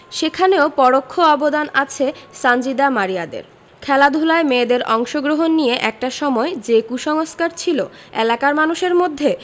সেখানেও পরোক্ষ অবদান আছে সানজিদা মারিয়াদের খেলাধুলায় মেয়েদের অংশগ্রহণ নিয়ে একটা সময় যে কুসংস্কার ছিল এলাকার মানুষের মধ্যে